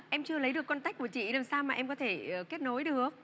em chưa lấy được con tách của chị í làm sao mà em có thể kết nối được